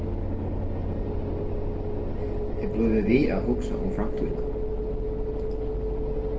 eg blívi við at hugsa um framtíðina